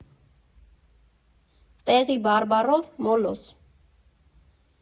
Տեղի բարբառով՝ մոլոզ։